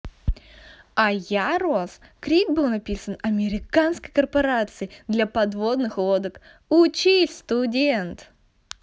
а я рос крик был написан американской корпорации для подводных лодок учись студент